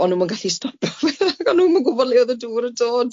o'n nw'm yn gallu stopo fe ac o'n nw'm yn gwbod le o'dd y dŵr yn dod.